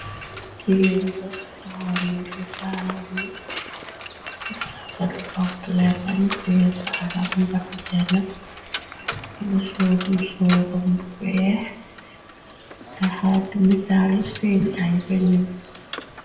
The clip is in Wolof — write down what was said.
Jigen bo taxani ci saalam mi dasoli kompletam d sakam ndakk jenak ma sor soram bu weex taxa ti nitallu seeni ay ba nëm.